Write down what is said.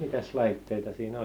mitäs laitteita siinä oli